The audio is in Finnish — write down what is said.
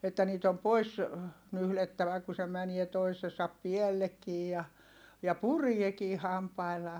että niitä on pois nyhdettävä kun se menee toisensa päällekin ja ja pureekin hampaillaan